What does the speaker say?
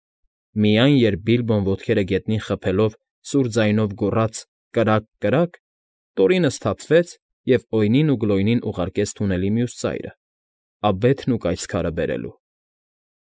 Միայն, երբ Բիլբոն ոտքերը գետնին խփելով սուր ձայնով գոռաց. «Կրա՜կ, կրա՜կ».֊ Տորինը սթափվեց և Օյնին ու Գլոյնին ուղարկեց թունելի մյուս ծայրը՝ աբեթն ու կայծքարը բերելու։